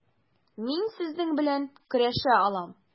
Мин сезнең белән көрәшә алам.